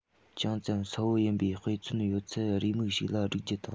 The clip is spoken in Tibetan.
ཅུང ཙམ གསལ པོ ཡིན པའི དཔེ མཚོན ཡོད ཚད རེའུ མིག ཞིག ལ བསྒྲིག རྒྱུ དང